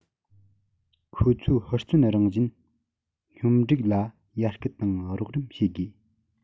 ཁོ ཚོའི ཧུར བརྩོན རང བཞིན སྙོམས སྒྲིག ལ ཡར སྐུལ དང རོགས རམ བྱེད དགོས